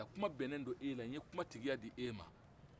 kuman bɛnnen do e la n ye kuman tigiya di e man